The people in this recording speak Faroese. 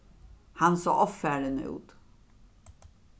hann sá ovfarin út